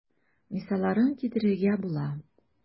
Мисалларын китерергә була.